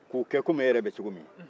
k'u kɛ i n'a fɔ e yɛrɛ bɛ cogo min